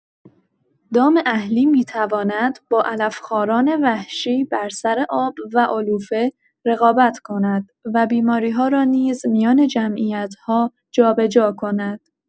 دام اهلی می‌تواند با علف‌خواران وحشی بر سر آب و علوفه رقابت کند و بیماری‌ها را نیز میان جمعیت‌ها جابه‌جا کند.